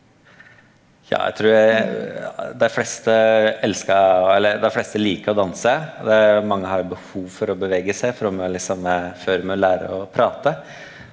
ja eg trur dei fleste elskar eller dei fleste liker å danse og det mange har behov for å bevege seg frå me liksom er før me lærer å prate.